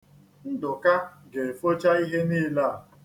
Nduka ga-efocha ihe niile a.